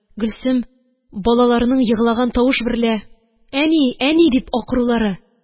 Гөлсем балаларының еглаган тавыш берлә: «Әни, әни!» – дип акырулары,